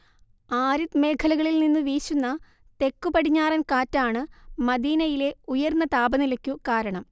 arid മേഖലകളിൽ നിന്നു വീശുന്ന തെക്കുപടിഞ്ഞാറൻ കാറ്റാണ്‌ മദീനയിലെ ഉയർന്ന താപനിലയ്ക്കു കാരണം